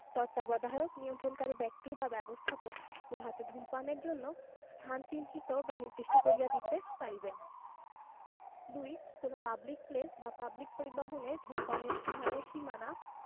তত্ত্বাবধায়ক নিয়ন্ত্রণকারী ব্যক্তি বা ব্যবস্থাপক উহাতে ধূমপানের জন্য স্থান চিহ্নিত বা নির্দিষ্ট করিয়া দিতে পারিবেন ২ কোন পাবলিক প্লেস বা পাবলিক পরিবহণে ধূমপানের স্থানের সীমানা